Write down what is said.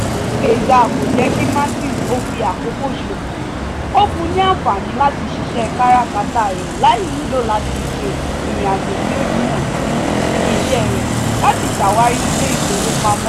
M-Pesa kò jẹ́ kí Martins ó fi àkókò ṣòfò, ó fún un ní àǹfààní láti ṣiṣẹ́ káràkátà rẹ̀ láì nílò láti ṣe ìrìnàjò tí ó jìnà síbi iṣẹ́ rẹ̀ láti ṣàwárí ilé ìfowópamọ́.